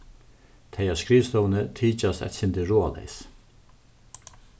tey á skrivstovuni tykjast eitt sindur ráðaleys